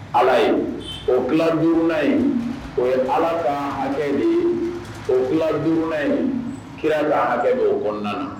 Ala ye o ki duurunan yen o ye ala ka hakɛ o kidan yen kira la hakɛ bɔ o kɔnɔnaan na